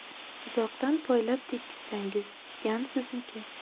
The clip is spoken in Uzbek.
uzoqdan poylab tekkizsangiz gan sizniki